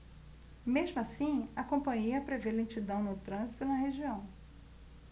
mesmo assim a companhia prevê lentidão no trânsito na região